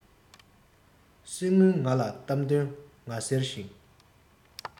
གསེར དངུལ ང དང གཏམ དོན ང ཟེར ཞིང